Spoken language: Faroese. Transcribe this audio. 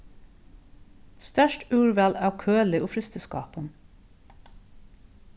stórt úrval av køli og frystiskápum